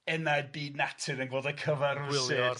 enaid byd natur yn gweld y